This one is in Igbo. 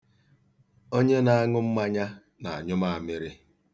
Onye na-aṅụ mmanya, na-anyụ maamịrị.